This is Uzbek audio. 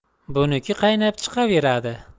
buniki qaynab chiqaveradi